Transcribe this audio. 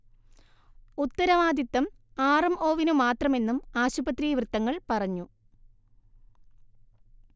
ഉത്തരവാദിത്തം R M ഒവിനു മാത്രമെന്നും ആശുപത്രി വൃത്തങ്ങൾ പറഞ്ഞു